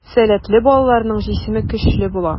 Сәләтле балаларның җисеме көчле була.